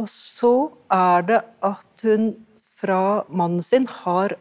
og så er det at hun fra mannen sin har